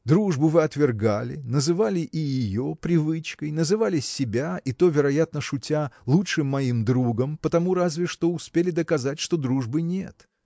Дружбу вы отвергали, называли и ее привычкой называли себя и то вероятно шутя лучшим моим другом потому разве что успели доказать что дружбы нет.